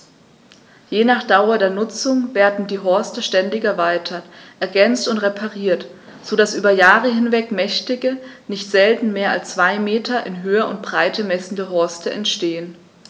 Je nach Dauer der Nutzung werden die Horste ständig erweitert, ergänzt und repariert, so dass über Jahre hinweg mächtige, nicht selten mehr als zwei Meter in Höhe und Breite messende Horste entstehen.